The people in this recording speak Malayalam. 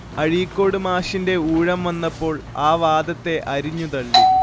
അഴീക്കോട് മാഷിന്റെ ഊഴം വന്നപ്പോൾ ആ വാദത്തെ അരിഞ്ഞുതള്ളി